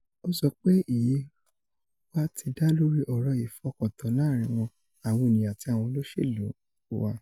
Ó sọ pé, 'èyí wà ti dá lóri ọ̀rọ̀ ìfọkàntán láàrín wa - àwọn ènìyàn - àti àwọn olóṣèlú wa,' .